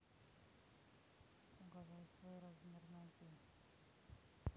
угадать свой размер ноги